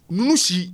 Nuun si